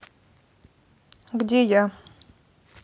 где я